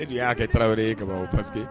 E de y'a kɛ tarawele wɛrɛ ye ka o parce que